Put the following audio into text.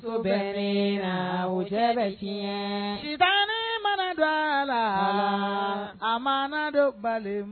Ko bɛɛ bɛ bɛna, o bɛɛ bɛ tiɲɛn sitanɛ mana don a la, a mana don balimaya, ko bɛɛ bɛ tiɲɛ